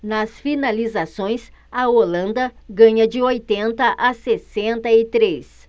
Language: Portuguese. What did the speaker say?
nas finalizações a holanda ganha de oitenta a sessenta e três